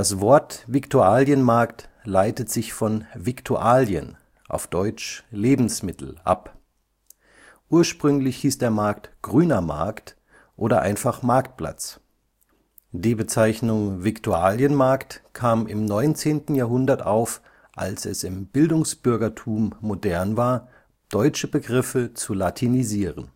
Wort Viktualienmarkt leitet sich von Viktualien (Lebensmittel) ab. Ursprünglich hieß der Markt „ grüner Markt ", oder einfach Marktplatz. Die Bezeichnung Viktualienmarkt kam im 19. Jahrhundert auf, als es im Bildungsbürgertum modern war, deutsche Begriffe zu latinisieren